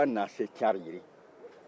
ko wanasecari de